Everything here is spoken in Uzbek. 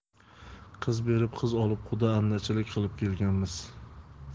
qiz berib qiz olib quda andachilik qilib kelganmiz